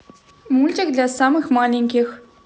мультик для самых маленьких